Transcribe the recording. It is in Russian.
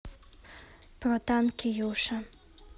про танки юша